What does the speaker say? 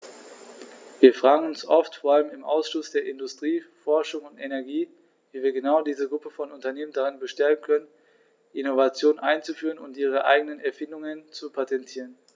Wir fragen uns oft, vor allem im Ausschuss für Industrie, Forschung und Energie, wie wir genau diese Gruppe von Unternehmen darin bestärken können, Innovationen einzuführen und ihre eigenen Erfindungen zu patentieren.